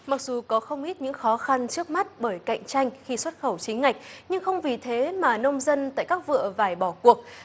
mặc dù có không ít những khó khăn trước mắt bởi cạnh tranh khi xuất khẩu chính ngạch nhưng không vì thế mà nông dân tại các vựa vải bỏ cuộc